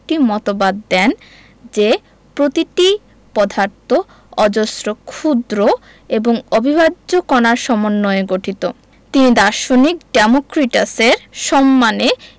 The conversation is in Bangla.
মতবাদ দেন যে প্রতিটি পদার্থ অজস্র ক্ষুদ্র এবং অবিভাজ্য কণার সমন্বয়ে গঠিত তিনি দার্শনিক ডেমোক্রিটাসের সম্মানে